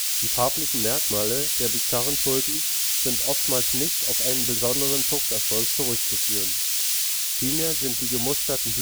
Die farblichen Merkmale der bizarren Tulpen sind oftmals nicht auf einen besonderen Zuchterfolg zurückzuführen. Vielmehr sind die gemusterten